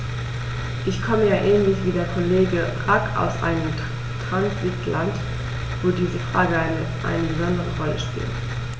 Ich komme ja ähnlich wie der Kollege Rack aus einem Transitland, wo diese Frage eine besondere Rolle spielt.